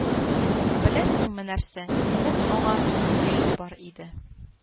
Беләсеңме нәрсә, минем аңа йомышым бар иде